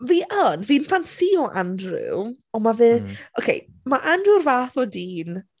Fi yn fi'n ffansio Andrew, ond mae fe... mm ...Ok ma' Andrew'r fath o dyn...